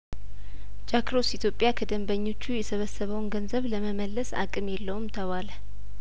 ጃክሮስ ኢትዮጵያ ከደንበኞቹ የሰበሰበውን ገንዘብ ለመመለስ አቅም የለውም ተባለ